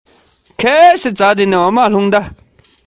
ཁ ཆད མེད པའི སྲོལ ཞིག ཏུ ཆགས